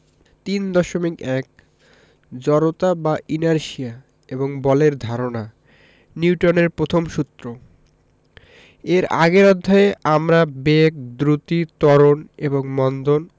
৩.১ জড়তা বা ইনারশিয়া এবং বলের ধারণা নিউটনের প্রথম সূত্র এর আগের অধ্যায়ে আমরা বেগ দ্রুতি ত্বরণ এবং মন্দন